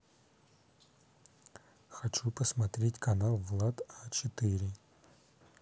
хочу посмотреть канал влад а четыре